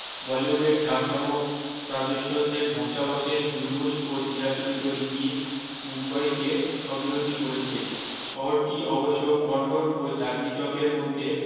বলিউডের জাকজমক রাজৈশর্য্যের ধংসাবশেষ জুলুশ ও চিরাচরিত রীতি মুম্বইকে সবিরধী করেছে শহরটি অবশ্য কন্নট ও চাদনী চকের মধ্যে